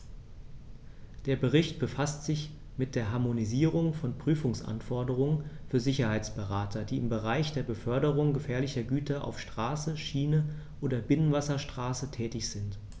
Der Bericht befasst sich mit der Harmonisierung von Prüfungsanforderungen für Sicherheitsberater, die im Bereich der Beförderung gefährlicher Güter auf Straße, Schiene oder Binnenwasserstraße tätig sind.